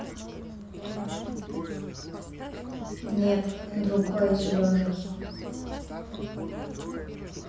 нет другой зеленый